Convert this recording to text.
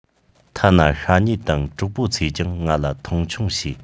ཐ ན ཤ ཉེ དང གྲོགས པོ ཚོས ཀྱང ང ལ མཐོང ཆུང བྱེད